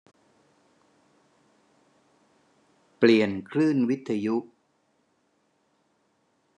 เปลี่ยนคลื่นวิทยุ